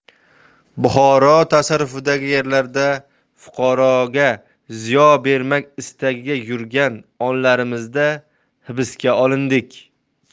buxoro tasarrufidagi yerlarda fuqaroga ziyo bermak istagida yurgan onlarimizda hibsga olindik